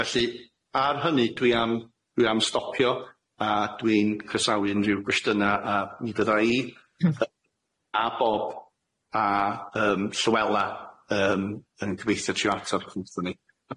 Felly ar hynny dwi am, dwi am stopio a dwi'n croesawu unrhyw gwestynna a mi fydda i a Bob a yym Llywela yym yn gobeithio trio atab rhyngtho ni.